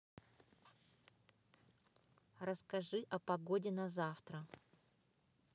расскажи о погоде завтра